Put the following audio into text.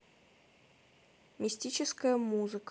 мистическая музыка